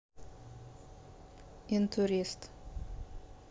интурист